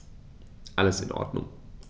Alles in Ordnung.